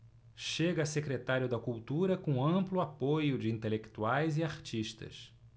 chega a secretário da cultura com amplo apoio de intelectuais e artistas